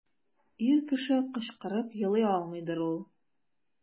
Ир кеше кычкырып елый алмыйдыр ул.